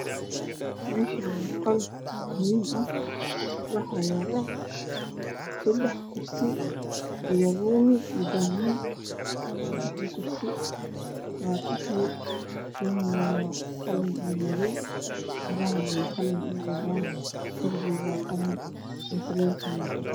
Meshan waa qol madow ah waxaa yala sedax kursi iyo rumi iyo dahman kurastu waa qaxwi